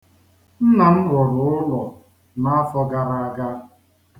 Nna m rụrụ ụlọ n'afọ gara aga.